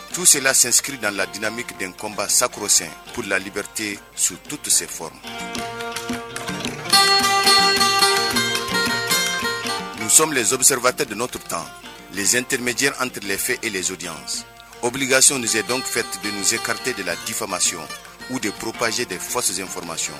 Tuu selenlasens da ladinamekiden kɔnba sakros purllalibbite su tutusɛ f zsribate don tu tan zteremɛɛn antefɛ e zodi obilikasize dɔwfɛ ze karite de la difamay u de purpzsee de fɔsisenoromasiy